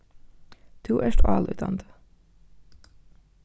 tú ert álítandi